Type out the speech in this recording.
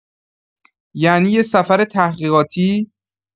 یعنی یه سفر تحقیقاتی؟